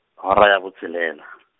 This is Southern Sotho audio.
hora ya bo tshelela .